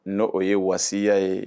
N o ye waya ye